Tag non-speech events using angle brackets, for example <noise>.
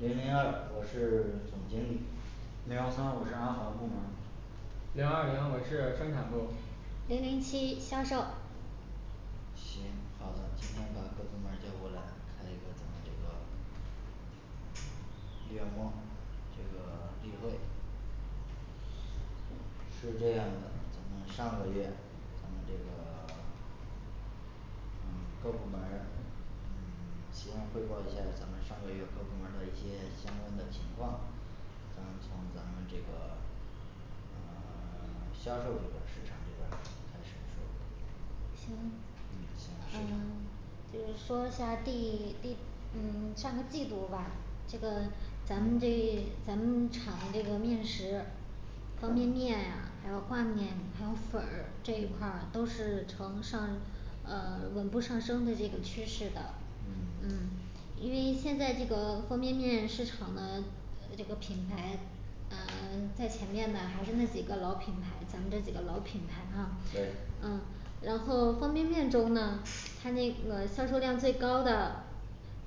零零二我是总经理零幺三我是安防部门儿零二零我是生产部儿零零七销售行好的今天把各部门儿叫过来开一个咱们这个月末这个例会行、是这样的咱们上个月咱们这个 <silence> 呃各部门儿嗯 <silence> 先汇报一下儿咱们上个月各部门儿的一些相关的情况咱们从咱们这个呃 <silence> 销售这边儿市场这边儿开始说嗯行行呃市场就是说下第第嗯上个季度吧这个咱们这咱们厂的这个面食方便嗯面呀还有挂面，还有粉儿这一块儿都是呈上呃 <silence> 稳步上升的这个趋势的嗯对嗯嗯因为现在这个方便面市场呢这个品牌呃在前面呢还是那几个老品牌咱们这几个老品牌啊对啊然后方便面中呢它那个销售量最高的